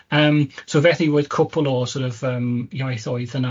Yym, so felly roedd cwpwl o, sor' of yym iaithoedd yna